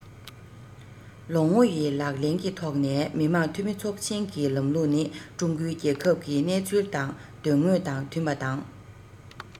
ལོ ངོ ཡི ལག ལེན གྱི ཐོག ནས མི དམངས འཐུས མི ཚོགས ཆེན གྱི ལམ ལུགས ནི ཀྲུང གོའི རྒྱལ ཁབ ཀྱི གནས ཚུལ དང དོན དངོས དང མཐུན པ དང